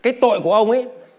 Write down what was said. cái tội của ông ấy